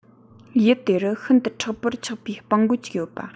ཡུལ དེ རུ ཤིན ཏུ མཁྲེགས པོར ཆགས པའི སྤང རྒོད ཅིག ཡོད པ